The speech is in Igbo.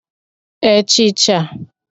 ẹchịcha